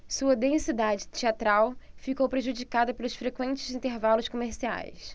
sua densidade teatral ficou prejudicada pelos frequentes intervalos comerciais